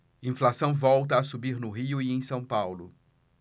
inflação volta a subir no rio e em são paulo